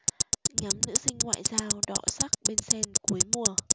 ngắm nữ sinh ngoại giao đọ sắc bên sen cuối mùa